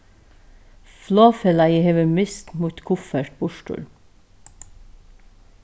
flogfelagið hevur mist mítt kuffert burtur